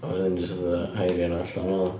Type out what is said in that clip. A wedyn jyst fatha hairio nhw allan fel 'na.